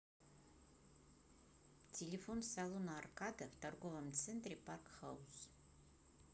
телефон салона аркада в торговом центре парк хаус